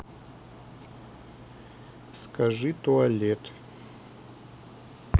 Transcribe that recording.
скажи туалет